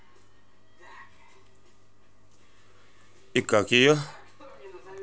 и как ее